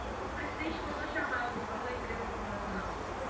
o presidente mandou chamá-lo segundo a imprensa internacional